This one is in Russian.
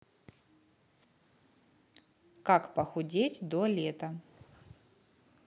как похудеть до лета